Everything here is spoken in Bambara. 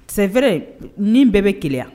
Senfɛɛrɛ nin bɛɛ bɛ keya